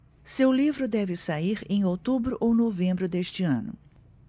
seu livro deve sair em outubro ou novembro deste ano